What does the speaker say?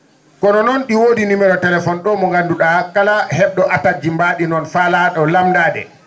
ko noon ?i woodi numéro ?o mbo gandu?a kala heb?o attaque ji mbaa?i noon faala?o lamdade